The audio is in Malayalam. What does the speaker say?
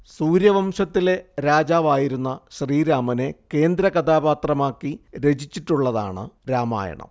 സൂര്യവംശത്തിലെ രാജാവായിരുന്ന ശ്രീരാമനെ കേന്ദ്രകഥാപാത്രമാക്കി രചിക്കപ്പെട്ടതാണ് രാമായണം